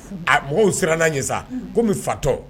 A mɔgɔw sirann' a ɲɛ sa, komi fatɔ